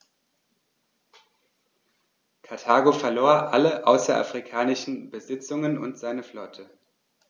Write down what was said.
Karthago verlor alle außerafrikanischen Besitzungen und seine Flotte.